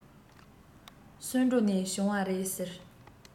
སོན གྲོ ནས བྱུང བ རེད ཟེར